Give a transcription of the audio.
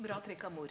bra av mor.